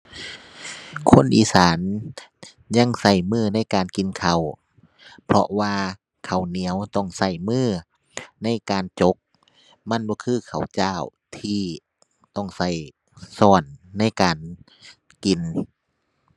คนอีสาน ยังใช้มือในการกินข้าว เพราะว่าข้าวเหนียวต้องใช้มือ ในการจก มันบ่คือข้าวเจ้าที่ต้องใช้ใช้ในการกิน